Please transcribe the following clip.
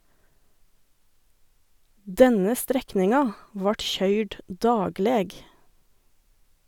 Denne strekninga vart køyrd dagleg.